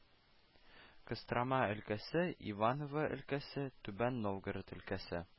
Кострома өлкәсе, Иваново өлкәсе, Түбән Новгород өлкәсе